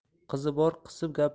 qizi bor qisib